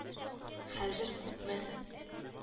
Хәзер күпме